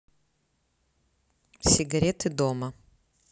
сигареты дома